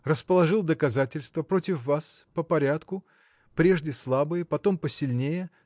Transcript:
расположил доказательства против вас по порядку прежде слабые, а потом посильнее